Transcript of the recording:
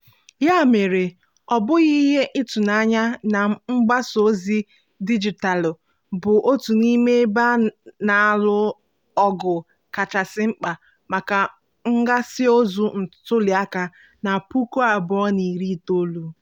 Ya mere, ọ bụghị ihe ịtụnanya na mgbasa ozi dijitalụ bụ otu n'ime ebe a na-alụ ọgụ kachasị mkpa maka mgasa ozi ntụliaka na 2019.